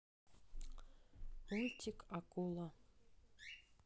мультик акула